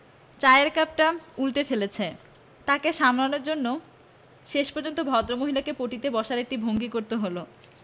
চায়ের কাপটাপ উন্টে ফেলছে তাকে সামলাবার জন্যে শেষ পর্যন্ত ভদ্রমহিলাকে পটি তে বসার একটা ভঙ্গি করতে হল